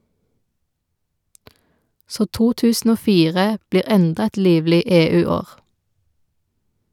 Så 2004 blir enda et livlig EU-år.